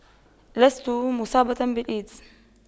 لست مصابة بالإيدز